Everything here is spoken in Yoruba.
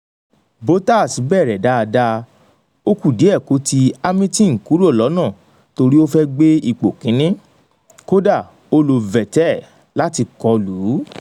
Botta bẹ̀rẹ̀ dáadáa. Ó ku díẹ̀ kó ti Hamilton kúrọ̀ lọ́nà torí ó fẹ́ gbé ipò kìíní. Kódà, ó lo Vettel láti ko lù ú.